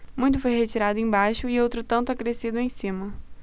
muito foi retirado embaixo e outro tanto acrescido em cima